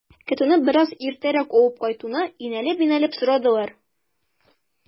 Көтүне бераз иртәрәк алып кайтуны инәлеп-инәлеп сорадылар.